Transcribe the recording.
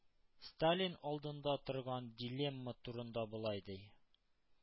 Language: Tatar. Сталин алдында торган дилемма турында болай ди: